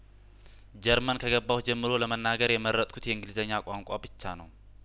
ጀርመን ከገባሁ ጀምሮ ለመናገር የመረጥ ኩት የእንግሊዝኛ ቋንቋን ብቻ ነው